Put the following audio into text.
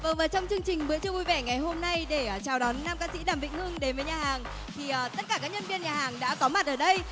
vâng và trong chương trình bữa trưa vui vẻ ngày hôm nay để chào đón nam ca sĩ đàm vĩnh hưng đến với nhà hàng thì tất cả các nhân viên nhà hàng đã có mặt ở đây